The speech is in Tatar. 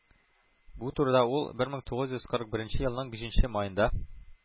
Бу турыда ул бер мең тугыз йөз кырык беренче елның бишенче маенда